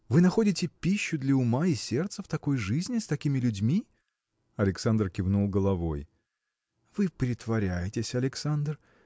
вы находите пищу для ума и сердца в такой жизни, с такими людьми? Александр кивнул головой. – Вы притворяетесь, Александр